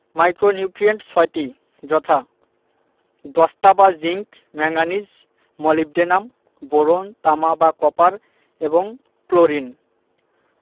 micronutrient ৬টি যথা দস্তা বা জিংক ম্যাংগানিজ মোলিবডেনাম বোরন তামা বা কপার এবং ক্লোরিন